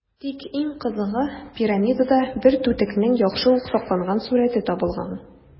Тик иң кызыгы - пирамидада бер түтекнең яхшы ук сакланган сурəте табылган.